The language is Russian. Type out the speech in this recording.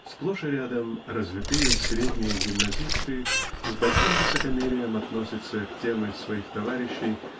Сплошь и рядом "развитые" средние гимназисты с большим высокомерием относятся к тем из своих товарищей